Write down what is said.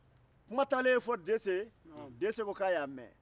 kuma taalen fɔ dese ye dese ko a y'a mɛ